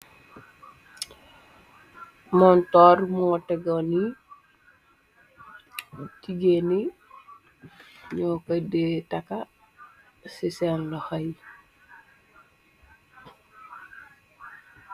Montor moo tegoni jigéeni ñoo ko dee taka ci seen luxo yi.